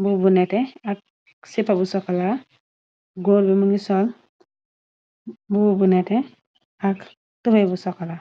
bu bu neté ak sipa bu sokola góor bi mi ngi sol mbubu bunete ak tubey bu sokola.